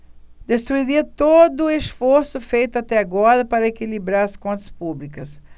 destruiria todo esforço feito até agora para equilibrar as contas públicas